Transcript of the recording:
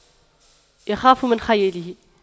يخاف من خياله